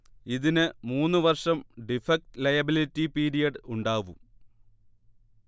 ഇതിന് മൂന്ന് വർഷം ഡിഫക്ട് ലയബിലിറ്റി പീരിയഡ് ഉണ്ടാവും